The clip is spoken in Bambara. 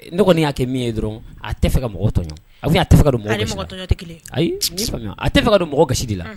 Dɔgɔnin kɔni y'a kɛ min ye dɔrɔn a tɛ fɛ mɔgɔ a don mɔgɔ ga de la